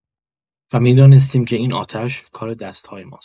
و می‌دانستیم که این آتش، کار دست‌های ماست.